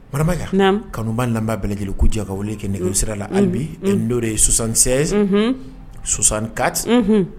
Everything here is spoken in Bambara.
Warabakan kanuba labanba bɛlɛjlikujɛ ka wele kɛ nɛgɛ serala alibi dɔo de ye sonsan sɛ sonsan kati